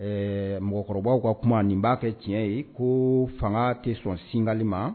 Ɛɛ mɔgɔkɔrɔbaw ka kuma, nin ba kɛ tiɲɛ ye. Ko fanga ti sɔn singali ma.